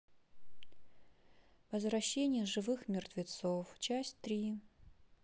возвращение живых мертвецов часть три